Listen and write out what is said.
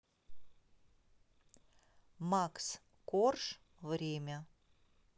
макс корж время